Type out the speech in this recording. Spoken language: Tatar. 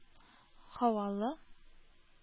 Һавалы